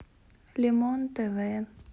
лимон тв